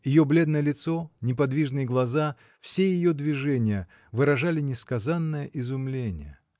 ее бледное лицо, неподвижные глаза, все ее движения выражали несказанное изумление.